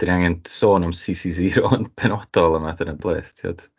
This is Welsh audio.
Dan ni angen sôn am CC zero yn benodol yma, dyna di'r peth tibod.